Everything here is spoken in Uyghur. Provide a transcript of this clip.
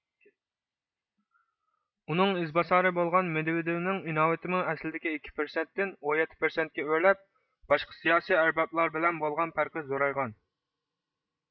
ئۇنىڭ ئىز باسارى بولغان مېدۋېدېۋنىڭ ئىناۋىتىمۇ ئەسلىدىكى ئىككى پىرسەنتتىن ئون يەتتە پىرسەنتكە ئۆرلەپ باشقا سىياسىي ئەربابلار بىلەن بولغان پەرقى زورايغان